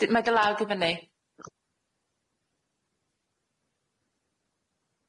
D- ma' dy law fyny.